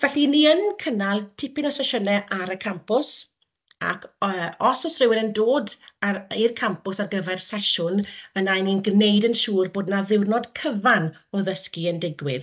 felly ni yn cynnal tipyn o sesiynau ar y campws ac yy os oes rhywun yn dod ar... i'r campws ar gyfer sesiwn, yna 'y ni'n gwneud yn siŵr bod yna ddiwrnod cyfan o ddysgu yn digwydd.